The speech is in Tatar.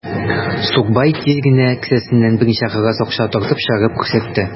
Сукбай тиз генә кесәсеннән берничә кәгазь акча тартып чыгарып күрсәтте.